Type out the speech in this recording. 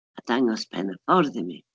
A dangos pen y ffordd i mi.